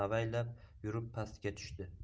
avaylab yurib pastga tushdi